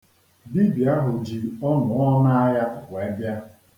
Dibịa ahụ ji ọnụ̀ọọnaa ya wee bịa.